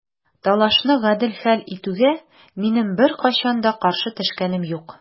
Талашны гадел хәл итүгә минем беркайчан да каршы төшкәнем юк.